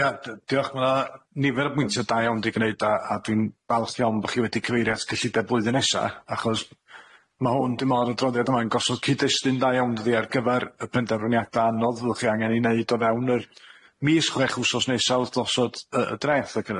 Ia dy- diolch ma' na nifer o bwyntia da iawn 'di gneud a a dwi'n falch iawn bo' chi wedi cyfeirio at cyllideb blwyddyn nesa achos ma' hwn dwi me'l yr adroddiad yma yn gosod cyd-destun da iawn dydi ar gyfer y penderfyniada' anodd fyddwch chi angen 'u neud o fewn yr mis chwech wsos nesaf wrth osod yy y draeth ac yn y blaen.